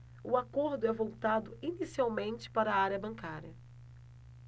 o acordo é voltado inicialmente para a área bancária